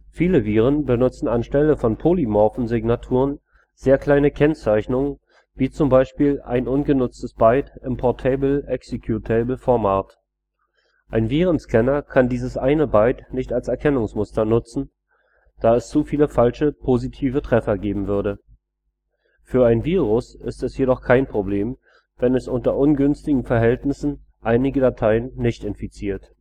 Viele Viren benutzen anstelle von polymorphen Signaturen sehr kleine Kennzeichnungen wie zum Beispiel ein ungenutztes Byte im Portable-Executable-Format. Ein Virenscanner kann dieses eine Byte nicht als Erkennungsmuster nutzen, da es zu viele falsch positive Treffer geben würde. Für ein Virus ist es jedoch kein Problem, wenn es unter ungünstigen Verhältnissen einige Dateien nicht infiziert